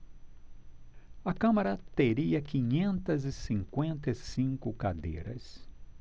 a câmara teria quinhentas e cinquenta e cinco cadeiras